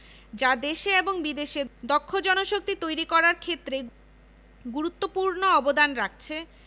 civil ও পরিবেশ কৌশল শিল্প ও উৎপাদন কৌশল জিওরির্সোসেস কৌশল খাদ্য কৌশল এবং চা কৌশল বিভাগ জীব বিজ্ঞান অনুষদে আছে